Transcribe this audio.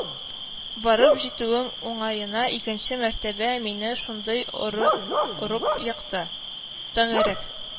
Барып җитүем уңаена икенче мәртәбә мине шундый орып екты, тәгәрәп